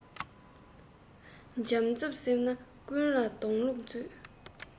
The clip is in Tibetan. འཇམ རྩུབ བསྲེས ན ཀུན ལ འདོང ལུགས མཛོད